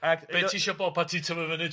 Ac be' ti isio bod pan ti'n tyfu fyny...